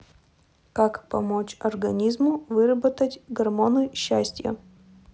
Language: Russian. как помочь организму вырабатывать гормоны счастья